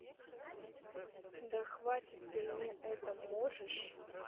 да хватит ты мне это можешь